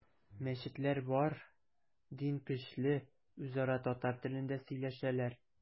Мәчетләр бар, дин көчле, үзара татар телендә сөйләшәләр.